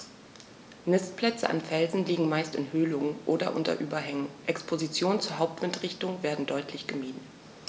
Nistplätze an Felsen liegen meist in Höhlungen oder unter Überhängen, Expositionen zur Hauptwindrichtung werden deutlich gemieden.